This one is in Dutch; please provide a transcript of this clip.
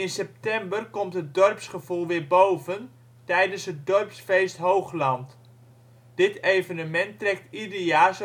september komt het dorpsgevoel weer boven tijdens het Dorpsfeest Hoogland. Dit evenement trekt ieder jaar